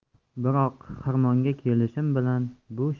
biroq xirmonga kelishim bilan bu